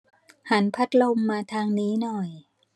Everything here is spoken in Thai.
หันพัดลมมาทางนี้หน่อย